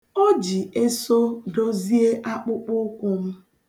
O ji eso dozie akpụkpụ ụkwụ m.